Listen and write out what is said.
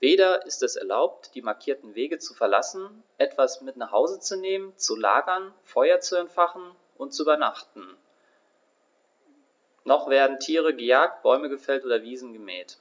weder ist es erlaubt, die markierten Wege zu verlassen, etwas mit nach Hause zu nehmen, zu lagern, Feuer zu entfachen und zu übernachten, noch werden Tiere gejagt, Bäume gefällt oder Wiesen gemäht.